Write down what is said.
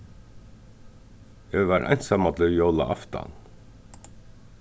eg var einsamallur jólaaftan